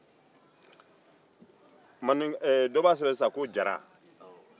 dɔ b'a sɛbɛn sisan ko jara